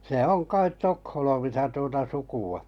se on kai Tukholmassa tuota sukua